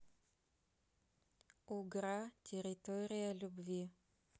угра территория любви